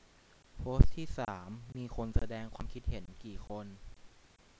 โพสต์ที่สามมีคนแสดงความคิดเห็นกี่คน